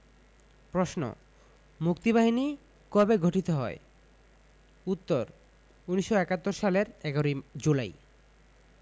প্রশ্ন মুক্তিবাহিনী কবে গঠিত হয় উত্তর ১৯৭১ সালের ১১ জুলাই